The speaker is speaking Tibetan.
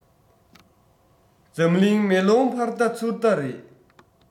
འཛམ གླིང མེ ལོང ཕར བལྟ ཚུར བལྟ རེད